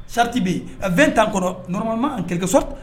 Sariti bɛ yen a fɛn tan kɔrɔɔrɔmama kɛlɛsɔ